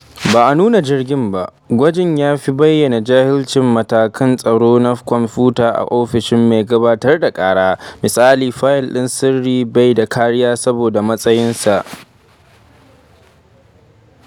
Ba a nuna jirgin ba, gwajin ya fi bayyana jahilcin matakan tsaro na kwamfuta a ofishin mai gabatar da kara, misali fayil ɗin sirri bai da kariya saboda matsayinsa.